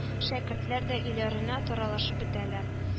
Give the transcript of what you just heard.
Шәкертләр дә өйләренә таралышып бетәләр